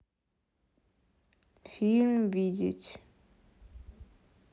фильм видеть